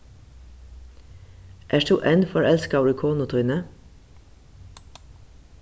ert tú enn forelskaður í konu tíni